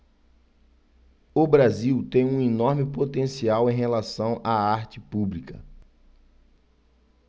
o brasil tem um enorme potencial em relação à arte pública